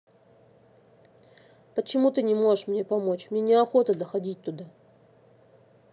почему ты не можешь мне помочь мне неохота заходить туда